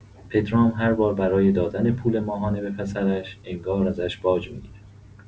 پدرام هر بار برای دادن پول ماهانه به پسرش، انگار ازش باج می‌گیره.